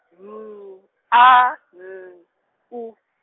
M, A, L, U.